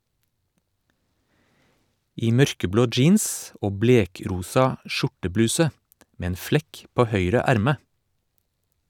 I mørkeblå jeans og blekrosa skjortebluse, med en flekk på høyre erme.